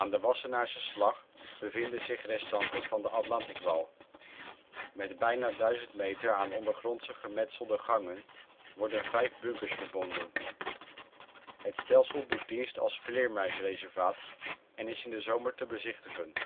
de Wassenaarse Slag bevinden zich restanten van de Atlantikwall. Met bijna 1000 meter aan ondergrondse gemetselde gangen worden vijf bunkers verbonden. Het stelsel doet dienst als vleermuisreservaat en is in de zomer te bezichtigen